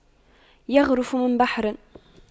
يَغْرِفُ من بحر